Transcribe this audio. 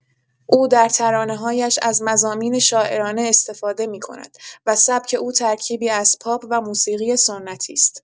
او در ترانه‌هایش از مضامین شاعرانه استفاده می‌کند و سبک او ترکیبی از پاپ و موسیقی سنتی است.